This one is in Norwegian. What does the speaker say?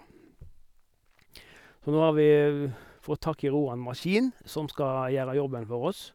Så nå har vi fått tak i Roan Maskin, som skal gjøre jobben for oss.